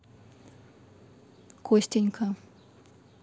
костенька